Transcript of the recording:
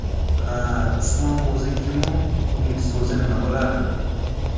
ha usmon o'zi kimu uning so'zi nima bo'lardi